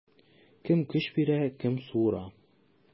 Кем көч бирә, кем суыра.